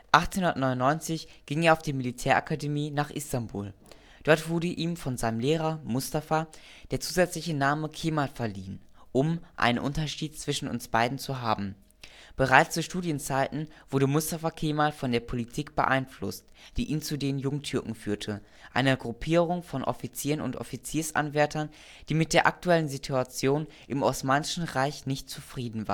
1899 ging er auf die Militärakademie nach Istanbul. Dort wurde ihm von seinem Lehrer Mustafa der zusätzliche Name „ Kemal “verliehen, um „... einen Unterschied zwischen uns beiden zu haben... “Bereits zu Studienzeiten wurde Mustafa Kemal von der Politik beeinflusst, die ihn zu den Jungtürken führte, einer Gruppierung von Offizieren und Offiziersanwärtern, die mit der aktuellen Situation im Osmanischen Reich nicht zufrieden